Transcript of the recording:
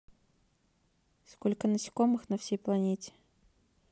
сколько насекомых на всей планете